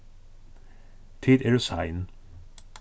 tit eru sein